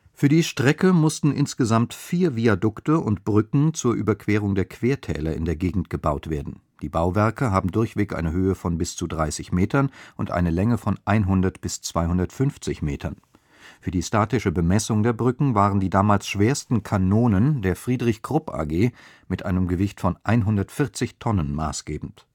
Für die Strecke mussten insgesamt vier Viadukte und Brücken zur Überquerung der Quertäler in der Gegend gebaut werden. Die Bauwerke haben durchweg eine Höhe von bis zu 30 Metern und eine Länge von 100 bis 250 Metern. Für die statische Bemessung der Brücken waren die damals schwersten Kanonen der Friedrich Krupp AG mit einem Gewicht von 140 Tonnen maßgebend